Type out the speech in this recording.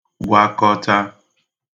gwakọta